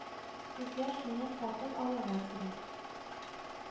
Сезгә шуны сатып алырга кирәк